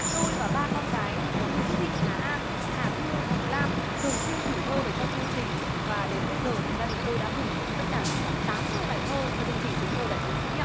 tôi và ba con gái nguyễn thị hà an hà thu hồng lam thường xuyên gửi thơ về cho chương trình và đến bây giờ thì gia đình tôi đã gửi tất cả là khoảng tám mươi bài thơ cho chương trình chúng tôi là chiến sĩ